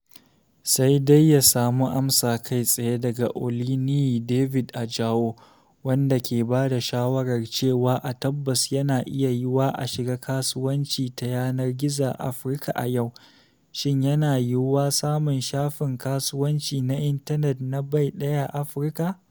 Sai dai ya samu amsa kai tsaye daga Oluniyi David Ajao, wanda ke ba da shawarar cewa a tabbas yana iya yiwuwa a shiga kasuwanci ta yanar gizo a Afirka a yau: “Shin yana yiwuwa samun shafin kasuwanci na intanet na bai ɗaya a Afirka?”